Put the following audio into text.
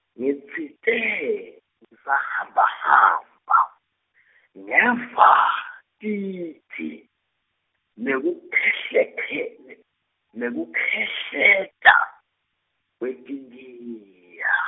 ngitsite ngisahambahamba , ngeva tigi nekukhehle ke, nekukhehleta, kwetikhiya.